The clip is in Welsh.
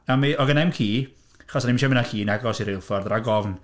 A mi... oedd genna i'm ci, achos o'n i'm isio mynd â ci yn agos i reilffordd, rhag ofn.